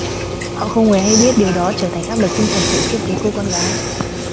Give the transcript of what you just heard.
họ không hề hay biết điều đó trở thành áp lực tinh thần khủng khiếp với cô con gái